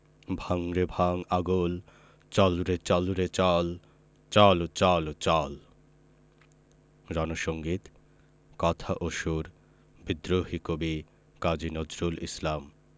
ভাঙ রে ভাঙ আগল চল রে চল রে চল চল চল চল রন সঙ্গীত কথা ও সুর বিদ্রোহী কবি কাজী নজরুল ইসলাম